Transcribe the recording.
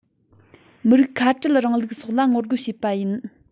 མི རིགས ཁ བྲལ རིང ལུགས སོགས ལ ངོ རྒོལ བྱས པ ཡིན